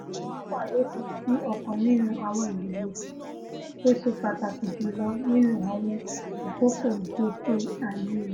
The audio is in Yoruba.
Ọ̀sẹ mẹ́fa lókù sí ọ̀kan nínú àwọn ìdìbò tóṣe pàtàkì jùlọ nínú àwọn àkóko ìgbésí-ayé wa.